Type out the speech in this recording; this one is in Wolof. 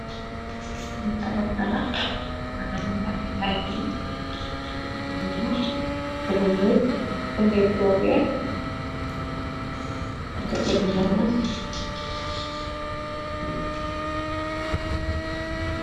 Li adatala mrna mingi ame ay bin te buuno tatabu ñuon funde plogee ingoteg ñuuno.